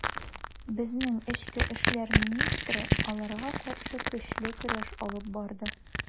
Безнең эчке эшләр министры аларга каршы көчле көрәш алып барды.